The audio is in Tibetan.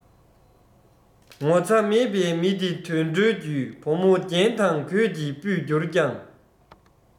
ངོ ཚ མེད པའི མི དེ དུད འགྲོའི རྒྱུད བུ མོ རྒྱན དང གོས ཀྱིས སྤུད གྱུར ཀྱང